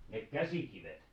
ne käsikivet